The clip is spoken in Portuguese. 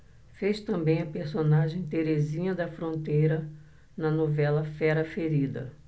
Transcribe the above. fez também a personagem terezinha da fronteira na novela fera ferida